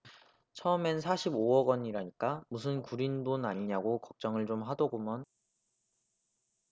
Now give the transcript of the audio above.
처음엔 사십 오 억원이라니까 무슨 구린 돈 아니냐고 걱정을 좀 하더구먼